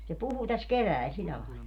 se puhui tässä keväällä sillä lailla